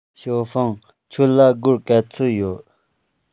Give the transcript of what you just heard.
ཞའོ ཧྥང ཁྱོད ལ སྒོར ག ཚོད ཡོད